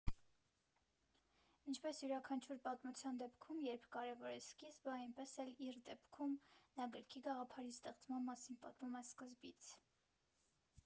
Ինչպես յուրաքանչյուր պատմության դեպքում, երբ կարևոր է սկիզբը, այնպես էլ իր դեպքում՝ նա գրքի գաղափարի ստեղծման մասին պատմում է սկզբից.